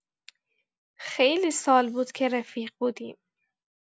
خیلی سال بود که رفیق بودیم.